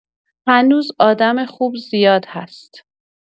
هنوز آدم خوب زیاد هست.